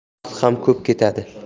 vaqt ham ko'p ketadi